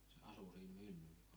se asui siinä myllyllä